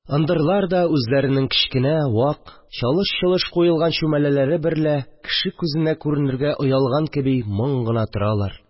Ындырлар да, үзләренең кечкенә, вак, чалыш-чолыш куелган чүмәләләре берлә кеше күзенә күренергә оялган кеби, моң гына торалар